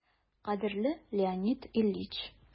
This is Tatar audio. «кадерле леонид ильич!»